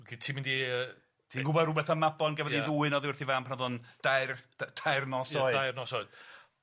Felly ti'n mynd i yy... Ti'n gwbod rwbeth am Mabon gafodd ei ddwyn oddi wrth 'i fam pan o'dd o'n dair, da- tair nos oed. Yn dair nos oed.